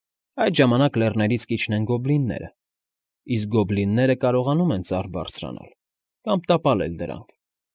Այդ ժամանակ լեռներից կիջնեն գոբլինները, իսկ գոբլինները կարողանում են ծառ բարձրանալ կամ տապալել դրանք։